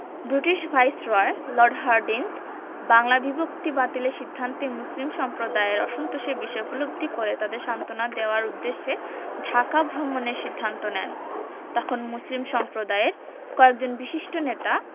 British viceroy Lord Hardinge Bangla বিভক্তি বাতিলের সিদ্ধান্তে মুসলিম সম্প্রদায়ের অসন্তোষের বিষয় উপলব্ধি করে তাদের সান্ত্বনা দেওয়ার উদ্দেশ্যে ঢাকা ভ্রমণের সিদ্ধান্ত নেন তখন মুসলিম সম্প্রদায়ের কয়েকজন বিশিষ্ট নেতা